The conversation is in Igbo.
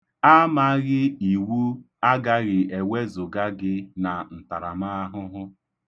Amaghị iwu agaghị ewezụga gị na ntaramaahụhụ.